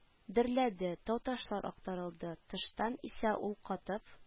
Дөрләде, тау-ташлар актарылды, тыштан исә ул катып